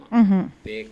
Unhun